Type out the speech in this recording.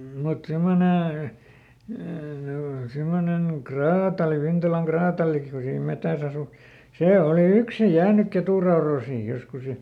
mutta semmoinen semmoinen kraatari Vintalan kraatarikin kun siinä metsässä asui se oli yksin jäänyt ketunrautoihin joskus ja